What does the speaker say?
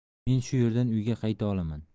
men shu yerdan uyga qayta qolaman